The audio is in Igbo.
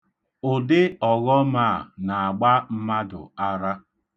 Ụdị ọghọm a na-agba mmadụ ara.